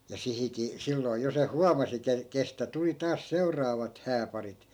ja - silloin jo se huomasi - kenestä tuli taas seuraavat hääparit